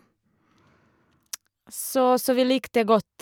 så Så vi likte godt.